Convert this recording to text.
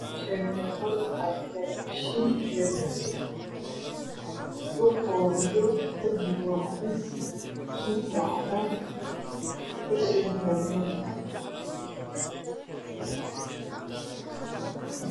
Mesahni waa qol waxa dhexyslo mashiin io kursi dhulka waa madow dirbigan waa cades mashika waa cadan kursikan waa dahbi